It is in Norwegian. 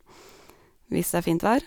Hvis det er fint vær.